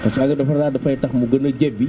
parce que engrais defe naa dafay tax mu gën a jebbi